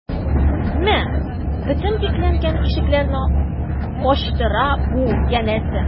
Мә, бөтен бикләнгән ишекләрне ачтыра бу, янәсе...